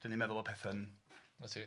Dan ni'n meddwl bod petha'n